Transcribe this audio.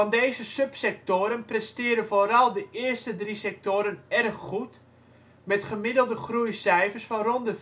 deze subsectoren presteren vooral de eerste drie sectoren erg goed, met gemiddelde groeicijfers van rond de